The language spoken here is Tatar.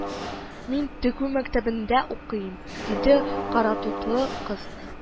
Мин тегү мәктәбендә укыйм, диде каратутлы кыз